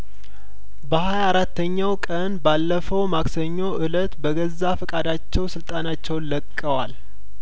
በሀያአራተኛው ቀን ባለፈው ማክሰኞ እለት በገዛ ፍቃዳቸው ስልጣናቸውን ለቀዋል